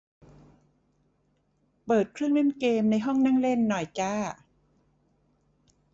เปิดเครื่องเล่นเกมในห้องนั่งเล่นหน่อยจ้า